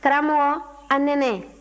karamɔgɔ a nɛnɛ